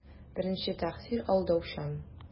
Беренче тәэсир алдаучан.